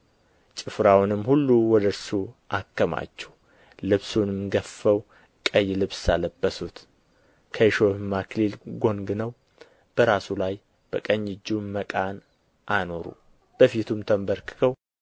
ጭፍራውንም ሁሉ ወደ እርሱ አከማቹ ልብሱንም ገፈው ቀይ ልብስ አለበሱት ከእሾህም አክሊል ጎንጉነው በራሱ ላይ በቀኝ እጁም መቃ አኖሩ በፊቱም ተንበርክከው